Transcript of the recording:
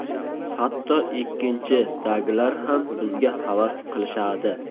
hatto ikkinchi bdagilar ham bizga havas qilishadi